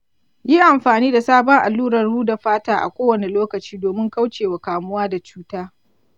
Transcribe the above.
yi amfani da sabon allurar huda fata a kowane lokaci domin kauce wa kamuwa da cuta.